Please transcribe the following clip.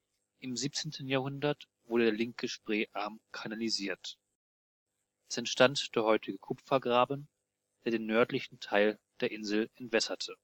Im 17. Jahrhundert wurde der linke Spreearm kanalisiert. Es entstand der heutige Kupfergraben, der den nördlichen Teil der Insel entwässerte